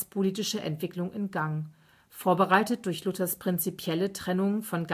Entwicklung in Gang. Vorbereitet durch Luthers prinzipielle Trennung von